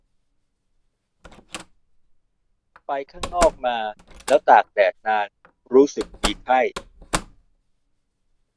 ไปข้างนอกมาแล้วตากแดดนานรู้สึกมีไข้